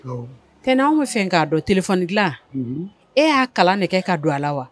Tɛnɛn anw bɛ fɛ k'a dɔn tf dila e y'a kala nɛgɛ kɛ ka don a la wa